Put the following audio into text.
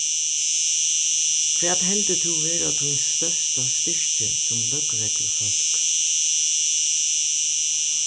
hvat heldur tú vera tín størsta styrki sum løgreglufólk